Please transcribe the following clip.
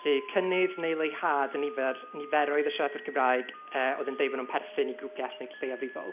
Felly, cynnydd neu leihad y nifer... niferoedd y siaradwyr Cymraeg yy oedd yn deud eu bod nhw'n perthyn i grwpiau ethnig lleiafrifol.